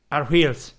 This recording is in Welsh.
Ar wheels.